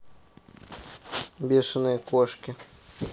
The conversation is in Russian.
бешеные кошки